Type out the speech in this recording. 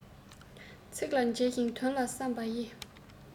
ཚིག ལ མཇལ ཞིང དོན ལ བསམ པ ཡིས